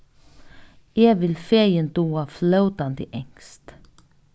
eg vil fegin duga flótandi enskt